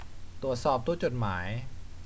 ตรวจสอบตู้จดหมาย